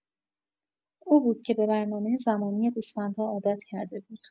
او بود که به برنامه زمانی گوسفندها عادت کرده بود.